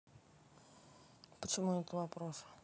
почему этот вопрос